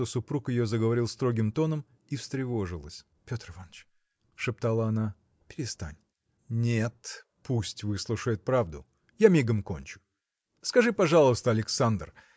что супруг ее заговорил строгим тоном и встревожилась. – Петр Иваныч! – шептала она, – перестань. – Нет, пусть выслушает правду. Я мигом кончу. Скажи пожалуйста Александр